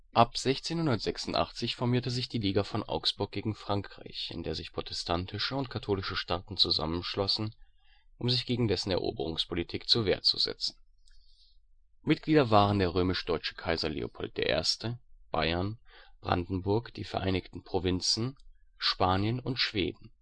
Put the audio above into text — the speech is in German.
Ab 1686 formierte sich die Liga von Augsburg gegen Frankreich, in der sich protestantische und katholische Staaten zusammenschlossen, um sich gegen dessen Eroberungspolitik zur Wehr zu setzen. Mitglieder waren der römisch-deutsche Kaiser Leopold I., Bayern (Kurfürst Maximilian II. Emanuel), Brandenburg, die Vereinigten Provinzen, Spanien (Karl II. von Spanien) und Schweden (Karl XI. von Schweden